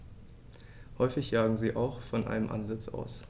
Häufig jagen sie auch von einem Ansitz aus.